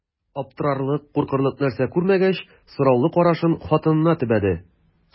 Аптырарлык, куркырлык нәрсә күрмәгәч, сораулы карашын хатынына төбәде.